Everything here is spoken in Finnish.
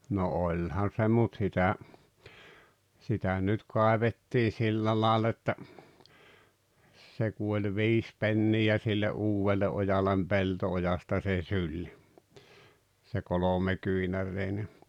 no olihan se mutta sitä sitä nyt kaivettiin sillä lailla että se kun oli viisi penniä sille uudelle ojalle pelto-ojasta se syli se kolmekyynäräinen